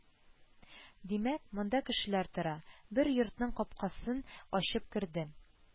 Димәк, монда кешеләр тора – бер йортның кпкасын ачып кердем